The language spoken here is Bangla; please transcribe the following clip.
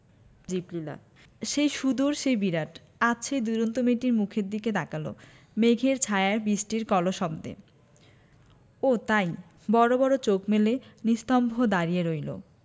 জীবলীলা সেই সুদূর সেই বিরাট আজ এই দুরন্ত মেয়েটির মুখের দিকে তাকাল মেঘের ছায়ায় বিষ্টির কলশব্দে ও তাই বড় বড় চোখ মেলে নিস্তব্ধ দাঁড়িয়ে রইল